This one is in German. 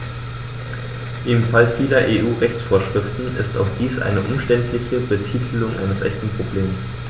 Wie im Fall vieler EU-Rechtsvorschriften ist auch dies eine umständliche Betitelung eines echten Problems.